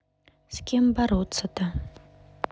с кем бороться то